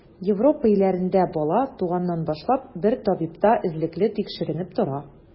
Европа илләрендә бала, туганнан башлап, бер табибта эзлекле тикшеренеп тора.